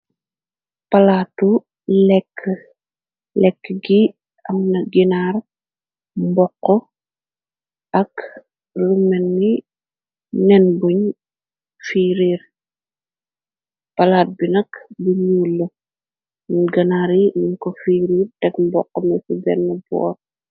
Palaatu leke leke gi amna ginaar mboxu ak lu melne nen buñ fererr palaat bi nak lu nuul la ganaar ge nugko fererr tek mbox mi ci bene borr.